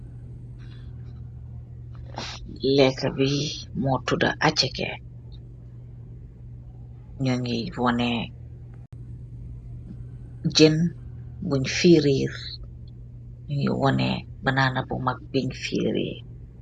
Lekabi mo tuda achekeh nyungi woneh jenn bun firirr nyungi woneh banana bu magg bun firirr.